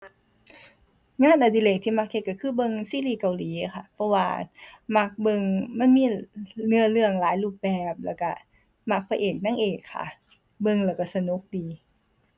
งานอดิเรกที่มักเฮ็ดก็คือเบิ่งซีรีส์เกาหลีค่ะ เพราะว่ามักเบิ่ง มันมีเนื้อเรื่องหลายรูปแบบ แล้วก็มักพระเอกนางเอกค่ะ เบิ่งแล้วก็สนุกดี